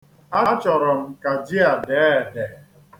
Achọrọ m ka ji a dee ede.